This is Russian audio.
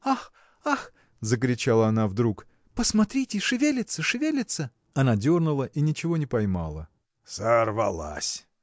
– Ах, ах, – закричала она вдруг, – посмотрите, шевелится, шевелится. Она дернула и ничего не поймала. – Сорвалась!